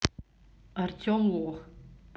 артем лох